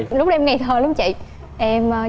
lúc đó em ngây thờ lắm chị em